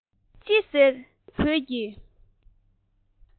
ཅི ཟེར ཁྱོད རྒན མོས གནའ མི བོད ཀྱི